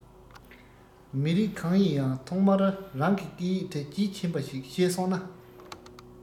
མི རིགས གང ཡིན ཡང ཐོག མར རང གི སྐད ཡིག དེ དཔྱིས ཕྱིན པ ཞིག ཤེས སོང ན